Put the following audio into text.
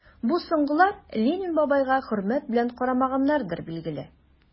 Бу соңгылар Ленин бабайга хөрмәт белән карамаганнардыр, билгеле...